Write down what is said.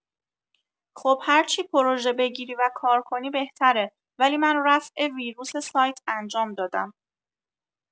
خب هرچی پروژه بگیری و کار کنی بهتره ولی من رفع ویروس سایت انجام دادم.